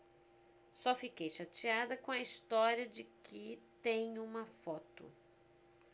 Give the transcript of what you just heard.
só fiquei chateada com a história de que tem uma foto